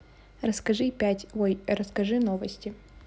расскажи пять ой расскажи новости